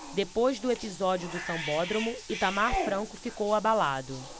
depois do episódio do sambódromo itamar franco ficou abalado